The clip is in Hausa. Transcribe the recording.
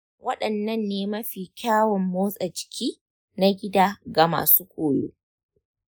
wadanne ne mafi kyawun motsa jiki na gida ga masu koyo?